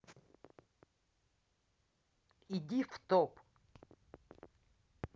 идите в топ